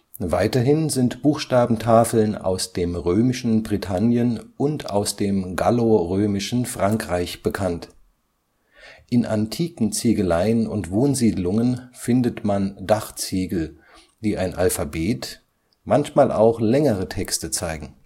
Weiterhin sind Buchstabentafeln aus dem römischen Britannien und aus dem gallorömischen Frankreich bekannt. In antiken Ziegeleien und Wohnsiedlungen findet man Dachziegel, die ein Alphabet, manchmal auch längere Texte, zeigen